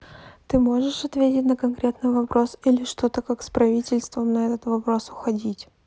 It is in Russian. ты можешь ответить на конкретный вопрос или что то как с правительством на этот вопрос уходить